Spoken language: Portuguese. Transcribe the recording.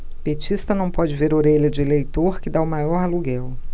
petista não pode ver orelha de eleitor que tá o maior aluguel